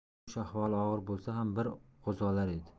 kumush ahvoli og'ir bo'lsa ham bir qo'zg'olar edi